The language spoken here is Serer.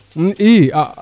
i